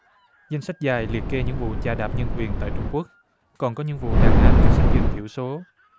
danh sách dài liệt kê những vụ chà đạp nhân quyền tại trung quốc còn có những vụ đàn áp các sắc dân thiểu số